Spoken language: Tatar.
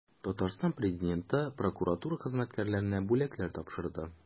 Татарстан Президенты прокуратура хезмәткәрләренә бүләкләр тапшырды.